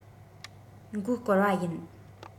མགོ སྐོར བ ཡིན